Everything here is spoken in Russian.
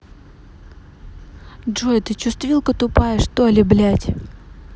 джой ты чувствилка тупая что ли блядь